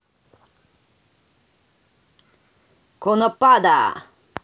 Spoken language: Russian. конопада